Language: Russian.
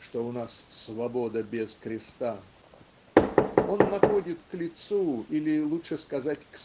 что у нас "свобода без креста" он находит к лицу или лучше сказать